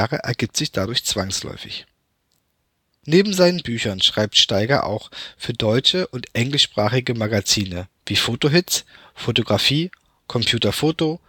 ergibt sich dadurch zwangsläufig. Neben seinen Büchern schreibt Staiger auch für deutsch - und englischsprachige Magazine wie Foto Hits, Photographie, Computerfoto